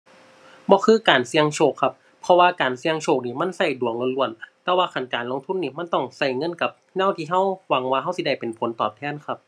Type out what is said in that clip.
บ่คือการเสี่ยงโชคครับ เพราะว่าการเสี่ยงโชคนี้มันใช้ดวงล้วนล้วน แต่ว่าคันการลงทุนนี้มันต้องใช้เงินกับแนวที่ใช้หวังว่าใช้สิได้เป็นผลตอบแทนครับ